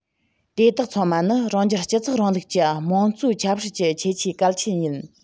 དེ དག ཚང མ ནི རང རྒྱལ སྤྱི ཚོགས རིང ལུགས ཀྱི དམངས གཙོའི ཆབ སྲིད ཀྱི ཁྱད ཆོས གལ ཆེན ཡིན